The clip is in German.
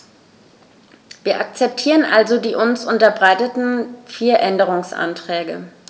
Wir akzeptieren also die uns unterbreiteten vier Änderungsanträge.